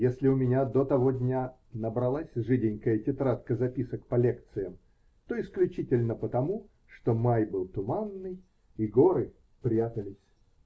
Если у меня до того дня набралась жиденькая тетрадка записок по лекциям, то исключительно потому, что май был туманный и горы прятались.